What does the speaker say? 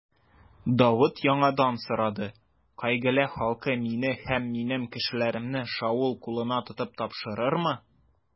Давыт яңадан сорады: Кыгыйлә халкы мине һәм минем кешеләремне Шаул кулына тотып тапшырырмы?